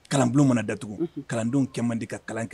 Kalanbu mana datugu kalandenwkɛ man di ka kalan kɛ